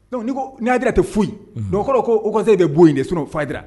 Dɔnku n' yaa jirara tɛ foyi o kɔrɔ ko okanse de bon yen de sun fa jira